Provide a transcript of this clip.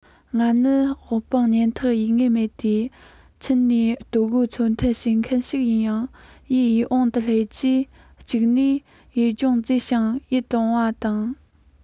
ང ནི དབུལ ཕོངས ཉམས ཐག ཡུལ ངེས མེད དུ འཁྱམས ནས ལྟོ གོས འཚོལ ཐབས བྱེད མཁན ཞིག ཡིན ཡང ཡུལ ཡིད འོང དུ སླེབས རྗེས གཅིག ནས ཡུལ ལྗོངས མཛེས ཤིང ཡིད དུ འོང བ དང